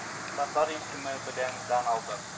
Татар исеме белән дан алдык